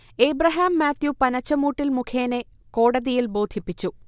ഏബ്രഹാം മാത്യു പനച്ചമൂട്ടിൽ മുഖേനെ കോടതിയിൽ ബോധിപ്പിച്ചു